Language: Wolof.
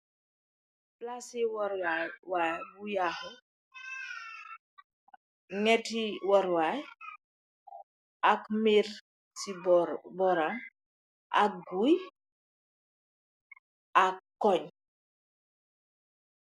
Palace waruway bu yaaxu neet waruway ak neeg si boram ak gooy ak kung.